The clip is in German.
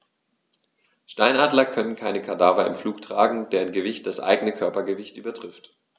Steinadler können keine Kadaver im Flug tragen, deren Gewicht das eigene Körpergewicht übertrifft.